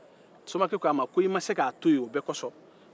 somakɛ ko a ma ko i ma se k'a to yen o bɛɛ kosɔn